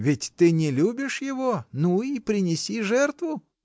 — Ведь ты не любишь его, ну и принеси жертву.